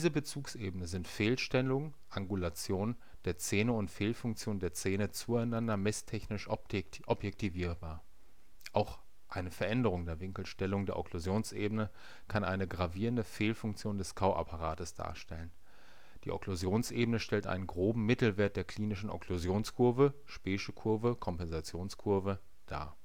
Bezugsebene sind Fehlstellungen (Angulationen) der Zähne und Fehlfunktionen der Zähne zueinander messtechnisch objektivierbar. Auch eine Veränderung der Winkelstellung der Okklusionsebene kann eine gravierende Fehlfunktion des Kauapparates darstellen. Die Okklusionsebene stellt einen groben Mittelwert der klinischen Okklusionskurve (Spee'sche Kurve, Kompensationskurve) dar